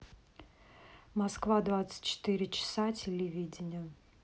москва двадцать четыре часа телевидение